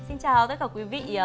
xin chào tất cả quý vị